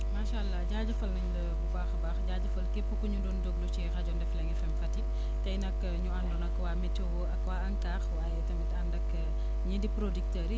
macha allah jaajëfal nañ la bu baax a baax jaajëfal képp ku ñu doon déglu ci rajo Ndefleng FM Fatick tey nag énu àndoon nag waa météo ak waa ANCAR waaye tamit ànd ak ñii di producteurs yi